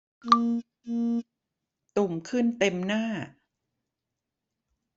ตุ่มขึ้นเต็มหน้า